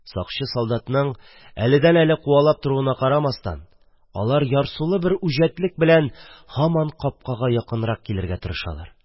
Сакчы солдатның әледән-әле куалап торуына карамастан, алар ярсулы бер үҗәтлек белән һаман капкага якынрак килергә тырышалар.